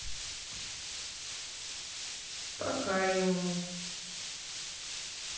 пока ему